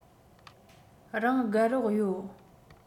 རང དགའ རོགས ཡོད